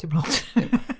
Dim lot